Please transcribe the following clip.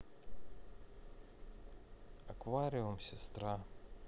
аквариум сестра